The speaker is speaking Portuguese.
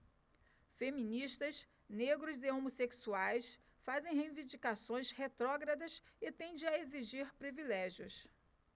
feministas negros e homossexuais fazem reivindicações retrógradas e tendem a exigir privilégios